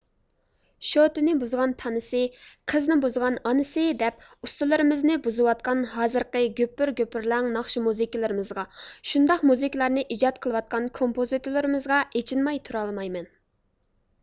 شوتىنى بۇزغان تانىسى قىزنى بۇزغان ئانىسى دەپ ئۇسسۇللىرىمىزنى بۇزۇۋاتقان ھازىرقى گۈپۈر گۈپۈرلەڭ ناخشا مۇزىكىلىرىمىزغا شۇنداق مۇزىكىلارنى ئىجاد قىلىۋاتقان كومپىزوتۇرلىرىمىزغا ئېچىنماي تۇرالمايمەن